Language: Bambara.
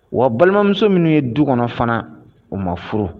Wa balimamuso minnu ye du kɔnɔ fana, u ma furu